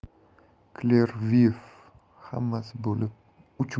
clearview hammasi bo'lib uch